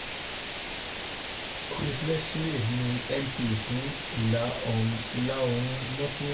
Chris Leslie ni MP fún Ìla-oòrùn Nottingham